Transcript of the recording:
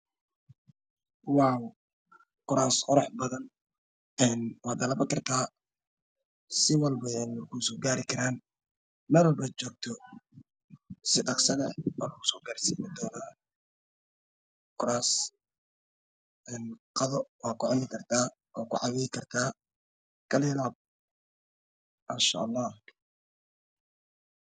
Waaw waa kuraas quruxbadan een waa dalba kartaa sii walba ayey kuu Soo daari karaan meel walba aad joogto sii dhaqso leh aa lagu Soo daarsiin doonaa kuraas qado waa ku cuni kartaa waa ku cawey kartaa kal iyo laab. Maasha Allaah.